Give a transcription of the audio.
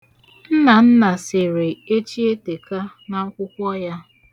Nnanna sere echietèka n'akwụkwọ ya.